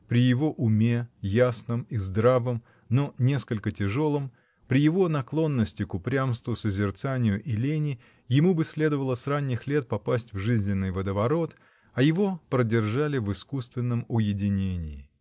При его уме, ясном и здравом, но несколько тяжелом, при его наклонности к упрямству, созерцанию и лени ему бы следовало с ранних лет попасть в жизненный водоворот, а его продержали в искусственном уединении.